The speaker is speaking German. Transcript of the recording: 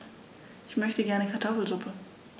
Ich möchte gerne Kartoffelsuppe.